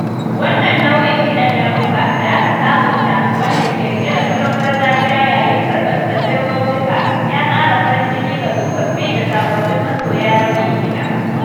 Wannan nau’in kiɗan na Rhumba da aka sabunta, wanda ke riƙe da salon gargajiya yayin karɓar sababbin raujuka, ya ƙara farin jini ga tsofaffi da sababbin masoya nau’in kiɗan.